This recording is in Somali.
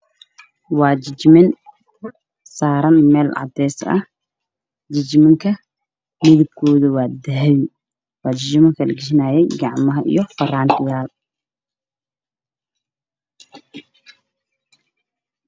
Meeshaan maxaa yeelay jijiyo midabkoodu yahay waa natiijo midafkooda dahab yahay